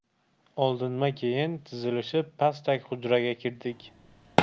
oldinma keyin tizilishib pastak hujraga kirdik